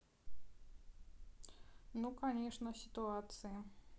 ну конечно ситуации